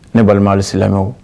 Ne balima silamɛ